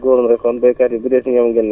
waa jërëjëf dégg nga ba beneen yoon